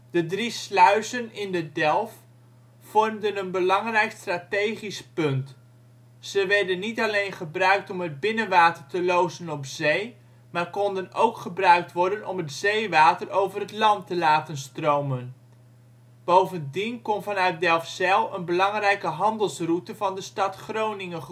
De drie sluizen in de Delf vormden een belangrijk strategisch punt. Ze werden niet alleen gebruikt om het binnenwater te lozen op zee, maar konden ook gebruikt worden om het zeewater over het land te laten stromen. Bovendien kon vanuit Delfzijl een belangrijke handelsroute van de stad Groningen